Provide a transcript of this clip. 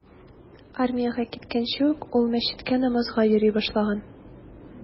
Армиягә киткәнче ук ул мәчеткә намазга йөри башлаган.